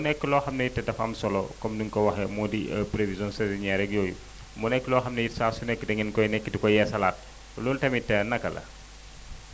mu nekk loo xam ne it dafa am solo comme nim ko waxee moo di prévision saisonière ak yooyu mu nekk loo xam ne it saa su nekk da ngeen koy nekk di ko yeesalaat loolu tamit naka la